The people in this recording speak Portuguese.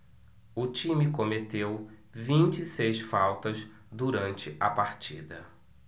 o time cometeu vinte e seis faltas durante a partida